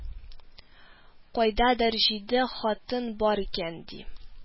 "кайдадыр җиде хатын бар икән, ди